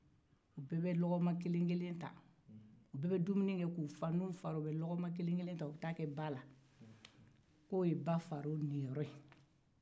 u bɛɛ be dumuni kɛ k'u fa n'u fara u bɛɛ bɛ lɔgɔma kelen kelen ta ka taa o kɛ ba la k'o ye bafaro niyɔrɔ ye